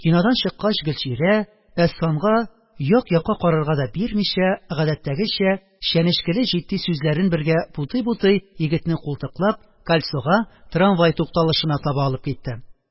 Кинодан чыккач, гөлчирә, әсфанга як-якка карарга да бирмичә, гадәттәгечә, чәнечкеле-җитди сүзләрен бергә бутый-бутый, егетне култыклап, кольцога – трамвай тукталышына таба алып китте